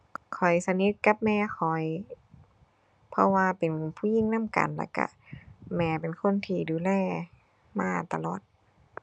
ขะ ข้อยสนิทกับแม่ข้อยเพราะว่าเป็นผู้หญิงนำกัน แล้วก็แม่เป็นคนที่ดูแลมาตลอด